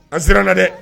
An siran na dɛ!